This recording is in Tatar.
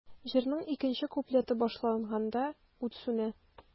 Җырның икенче куплеты башланганда, ут сүнә.